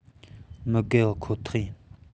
མི བརྒལ བ ཁོ ཐག ཡིན